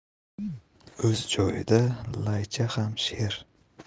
o'z joyida laycha ham sher